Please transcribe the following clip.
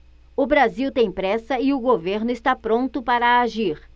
o brasil tem pressa e o governo está pronto para agir